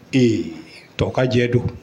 Ee tɔjɛ don